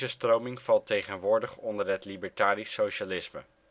stroming valt tegenwoordig onder het libertarisch socialisme